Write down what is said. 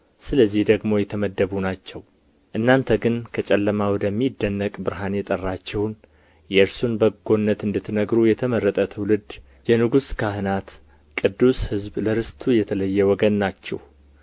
ስለዚህ ደግሞ የተመደቡ ናቸው እናንተ ግን ከጨለማ ወደሚደነቅ ብርሃኑ የጠራችሁን የእርሱን በጎነት እንድትናገሩ የተመረጠ ትውልድ የንጉሥ ካህናት ቅዱስ ሕዝብ ለርስቱ የተለየ ወገን ናችሁ